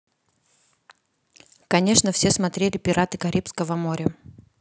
конечно все смотрели пираты карибского моря